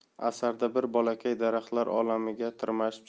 asarda bir bolakay daraxtlar olamiga tirmashib